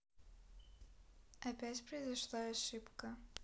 опять произошла ошибка